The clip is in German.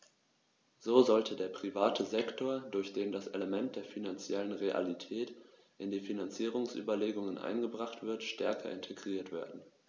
So sollte der private Sektor, durch den das Element der finanziellen Realität in die Finanzierungsüberlegungen eingebracht wird, stärker integriert werden.